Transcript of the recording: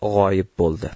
g'oyib bo'ldi